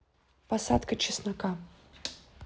посадка чеснока